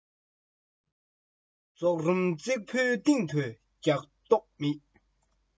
མཛོག རུམ གཙག བུའི སྟེང དུ རྒྱག མདོག མེད